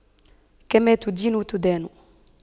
كما تدين تدان